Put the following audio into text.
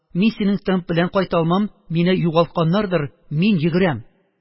Мин синең темп белән кайта алмам, мине югалтканнардыр, мин йөгерәм.